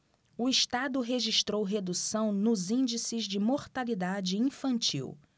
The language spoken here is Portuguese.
o estado registrou redução nos índices de mortalidade infantil